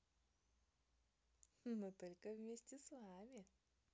но только вместе с вами